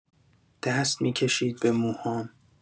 دست می‌کشید به موهام.